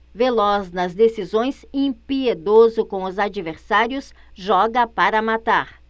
veloz nas decisões impiedoso com os adversários joga para matar